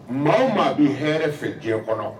Maa maa bɛ hɛrɛ fɛ diɲɛ kɔnɔ